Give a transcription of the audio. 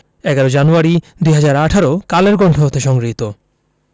১১ January ২০১৮ Kaler Kantho হতে সংগৃহীত